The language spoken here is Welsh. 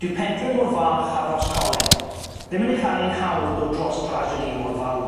Dyw pentre mor fach ar Roscolyn, ddim yn ei chael i'n hawdd dod dros drasiedi mor fawr.